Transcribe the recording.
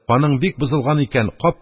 Каның бик бозылган икән,